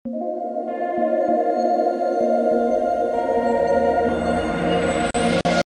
Wa